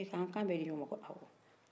he k'a kan bɛdi ɲɔgɔn ko amo